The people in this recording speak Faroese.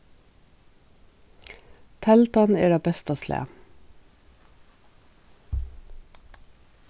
teldan er av besta slag